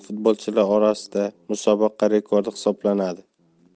futbolchilar orasida musobaqa rekordi hisoblanadi